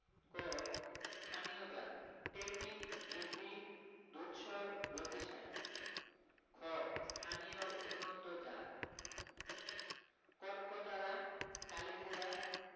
ক স্থানীয় জাতঃ টেপি গিরবি দুধসর লতিশাইল খ স্থানীয় উন্নতজাতঃ কটকতারা কালিজিরা